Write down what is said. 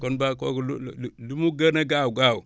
kon ba kooku lu lu lu lu mu gën a gaaw gaaw